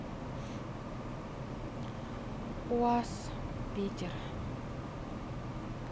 уаз питер